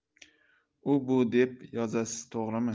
u bu deb yozasiz to'g'rimi